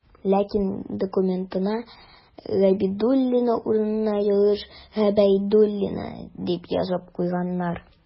Ләкин документына «Габидуллина» урынына ялгыш «Гобәйдуллина» дип язып куйганнар.